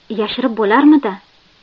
yashirib bo'larmidi